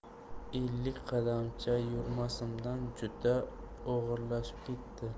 ellik qadamcha yurmasimdan juda og'irlashib ketdi